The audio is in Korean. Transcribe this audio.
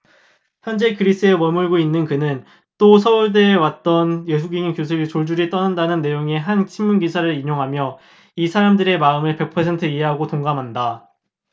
현재 그리스에 머물고 있는 그는 또 서울대 왔던 외국인 교수들 줄줄이 떠난다는 내용의 한 신문기사를 인용하며 이 사람들의 마음을 백 퍼센트 이해하고 동감한다